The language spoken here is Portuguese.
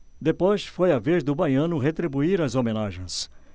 depois foi a vez do baiano retribuir as homenagens